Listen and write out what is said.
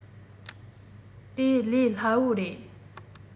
དེ ལས སླ པོ རེད